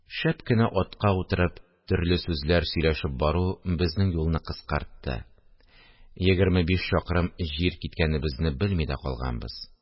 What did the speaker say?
Шәп кенә атка утырып, төрле сүзләр сөйләшеп бару безнең юлны кыскартты, егерме биш чакрым җир киткәнебезне белми дә калганбыз